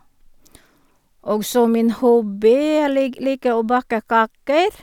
Og så min hobby, jeg lik liker å bake kaker.